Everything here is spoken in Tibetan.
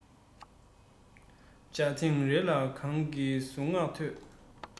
མཇལ ཐེངས རེ ལ གང གི གསུང ངག ཐོས